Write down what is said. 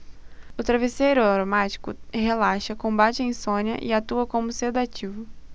o travesseiro aromático relaxa combate a insônia e atua como sedativo